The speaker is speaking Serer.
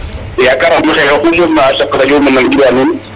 yakaaraam ee oxu saqna radio um a nangilwaa nuun